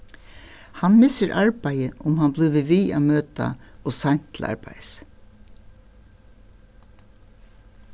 hann missir arbeiðið um hann blívur við at møta ov seint til arbeiðis